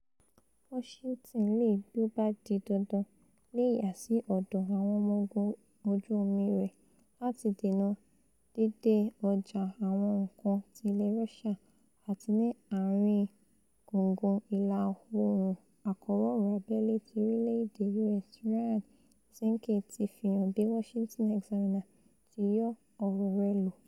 Washington leè ''bí ó bá di dandan'' leè yàsí ọ̀dọ̀ Àwọn Ọmọ Ogun Ojú-omi rẹ̀ lati dènà dídé ọjà àwọn nǹkan ti ilẹ̀ Rọ́síà, àti ni Ààrin Gùngùn Ìlà-oòrun, Akọ̀wé Ọ̀rọ̀ Abẹ́lé ti orilẹ̵-ede US Ryan Zinke ti fihàn, bí Washington Examiner tí yọ ọ̀rọ̀ rẹ̀ lò.